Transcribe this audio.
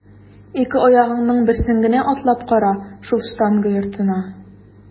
Ике аягыңның берсен генә атлап кара шул штанга йортына!